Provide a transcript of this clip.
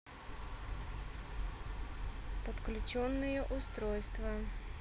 подключенные устройства